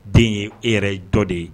Den ye e yɛrɛ ye dɔ de ye